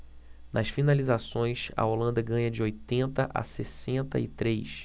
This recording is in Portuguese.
nas finalizações a holanda ganha de oitenta a sessenta e três